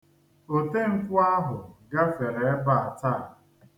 Otenkwụ ahụ gafere ebe a taa.